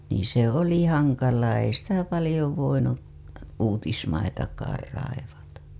niin se oli hankalaa ei sitä paljon voinut uutismaitakaan raivata